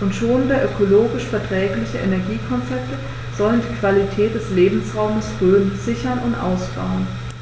und schonende, ökologisch verträgliche Energiekonzepte sollen die Qualität des Lebensraumes Rhön sichern und ausbauen.